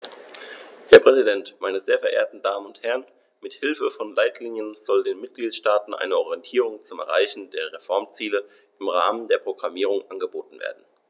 Herr Präsident, meine sehr verehrten Damen und Herren, mit Hilfe von Leitlinien soll den Mitgliedstaaten eine Orientierung zum Erreichen der Reformziele im Rahmen der Programmierung angeboten werden.